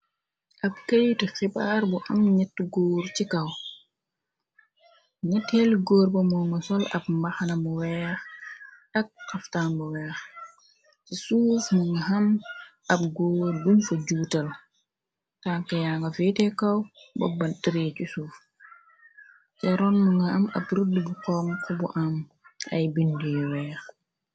ab keyit xibaar bu am ñet góor ci kaw ñeteeli góor ba moo nga sol ab mbaxna bu weex ak xaftamba weex ci suuf mu nga am ab góor gum fa juutal tank ya nga veete kaw bobba tree cu suuf jaroon mu nga am ab rudd bu xom ko bu am ay bindi yu weex